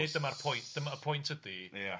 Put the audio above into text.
Ne' nid dyma'r point dyma- y point ydi... Ia,